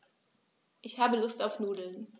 Ich habe Lust auf Nudeln.